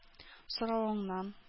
Соравыннан